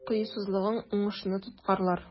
Кыюсызлыгың уңышны тоткарлар.